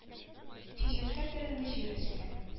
Чәчәккә төренде җир өсте.